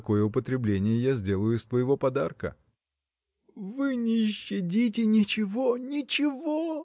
какое употребление я сделаю из твоего подарка?. – Вы не щадите ничего. ничего!.